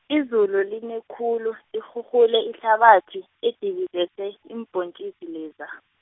izulu line khulu, lirhurhule ihlabathi, edibizese, iimbontjisi leza.